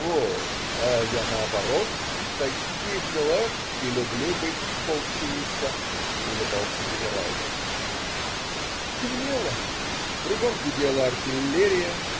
"Во-от, а я наоборот, в таких делах и люблю быть вполсвиста",- улыбался генерал. Темнело. Кругом гудела артиллерия.